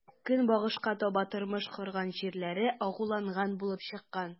Көнбатышка таба тормыш корган җирләре агуланган булып чыккан.